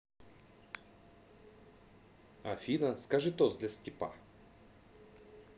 афина скажи тост для степа